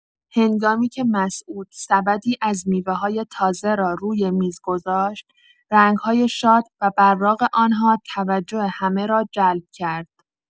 هنگامی‌که مسعود سبدی از میوه‌های تازه را روی میز گذاشت، رنگ‌های شاد و براق آن‌ها توجه همه را جلب کرد.